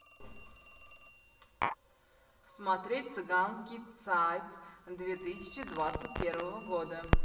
смотреть цыганский сайт две тысячи двадцать первого года